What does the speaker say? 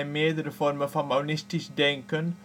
meerdere vormen van monistisch denken